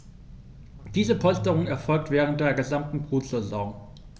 Diese Polsterung erfolgt während der gesamten Brutsaison.